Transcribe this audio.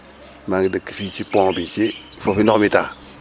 maa ngi dëkk fii ci pont bi ci foofu ndox mi di taa